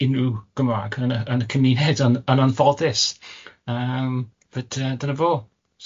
unrhyw Gymraeg yn y cymuned yn yn anffodus yym but yy dyna fo.